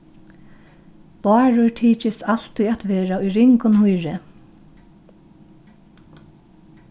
bárður tykist altíð at vera í ringum hýri